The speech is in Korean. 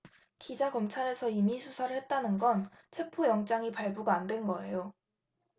기자 검찰에서 임의수사를 했다는 건 체포영장이 발부가 안 된 거예요